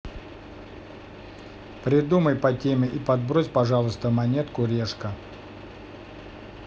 придумай по теме и подбрось пожалуйста монетку решка